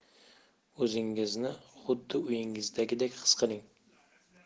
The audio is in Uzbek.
o'zingizni xuddi uyingizdagidek xis qiling